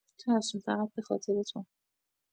چشم فقط بخاطر ت